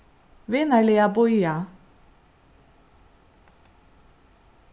vinarliga bíða